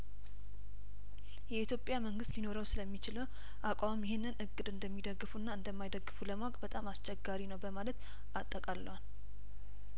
የኢትዮጵያ መንግስት ሊኖረው ስለሚ ችለው አቋምም ይሄንን እቅድ እንደሚደግፉና እንደማይደግፉ ለማወቅ በጣም አስቸጋሪ ነው በማለት አጠቃለዋል